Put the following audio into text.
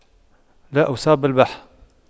لا أصاب بالبح